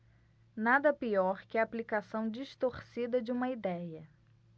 nada pior que a aplicação distorcida de uma idéia